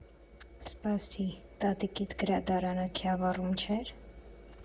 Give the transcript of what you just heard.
Սպասի, տատիկիդ գրադարանը Քյավառում չէ՞ր։